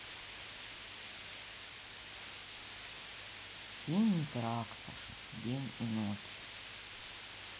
синий трактор день и ночь